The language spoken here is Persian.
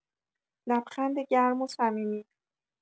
لبخند گرم و صمیمی